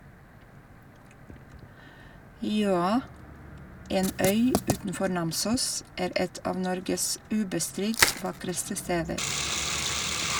Jøa, en øy utenfor Namsos, er et av Norges ubestridt vakreste steder.